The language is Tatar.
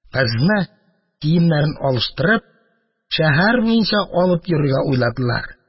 Кызны, киемнәрен алыштырып, шәһәр буенча алып йөрергә уйладылар.